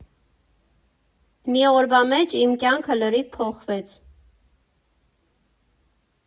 Մի օրվա մեջ իմ կյանքը լրիվ փոխվեց։